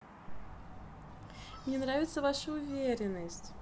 мне нравится ваша уверенность